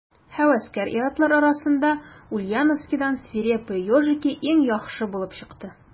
Һәвәскәр ир-атлар арасында Ульяновскидан «Свирепые ежики» иң яхшы булып чыкты.